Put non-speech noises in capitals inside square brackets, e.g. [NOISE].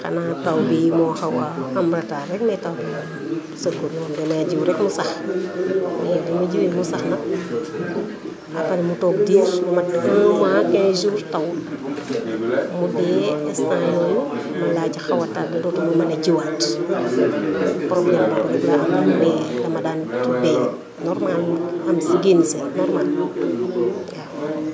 xanaa taw bii [CROSSTALK] moo xaw a am retard rek mais taw [CROSSTALK] sorgho bi moom da ngay ji rek mu sax [CROSSTALK] léegi bi ma jiwee mu sax nag après mu toog diir lu mot un mois 15 jours tawul [CROSSTALK] mu dee instant yooyu laa ci xaw a tardé dootuma mën a jiwaat [CROSSTALK] problème boobu rek laa amoon mais dama daan béy normal [CROSSTALK] mu am si génn si normal [CROSSTALK] waaw